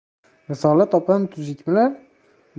risolat opam tuzukmilar